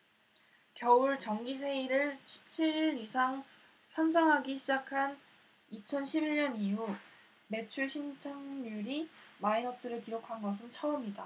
겨울 정기세일을 십 칠 일 이상 편성하기 시작한 이천 십 일 년 이후 매출신장률이 마이너스를 기록한 것은 처음이다